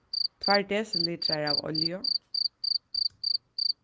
tveir desilitrar av olju